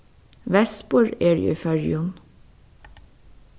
vespur eru í føroyum